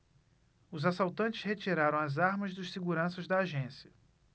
os assaltantes retiraram as armas dos seguranças da agência